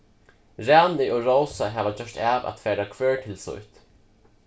rani og rósa hava gjørt av at fara hvør til sítt